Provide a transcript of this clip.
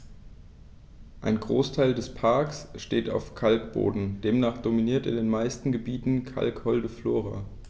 Ein Großteil des Parks steht auf Kalkboden, demnach dominiert in den meisten Gebieten kalkholde Flora.